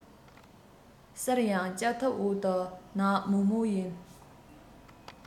གསལ ཡང ལྕགས ཐབ འོག ཏུ ནག མོག མོག ཡིན